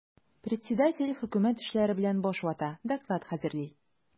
Председатель хөкүмәт эшләре белән баш вата, доклад хәзерли.